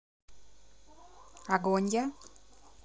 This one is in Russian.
огонь я